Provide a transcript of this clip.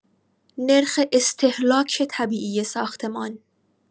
نرخ استهلاک طبیعی ساختمان